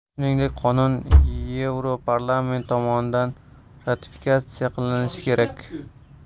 shuningdek qonun yevroparlament tomonidan ratifikatsiya qilinishi kerak